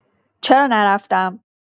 چرا نرفتم؟